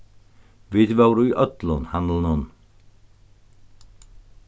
vit vóru í øllum handlunum